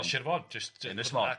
Yn Sir Fôn, jyst ...Ynys Mon...